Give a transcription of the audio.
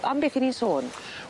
Am beth 'yn ni'n sôn?